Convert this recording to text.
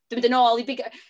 Dwi'n mynd yn ôl i bigo...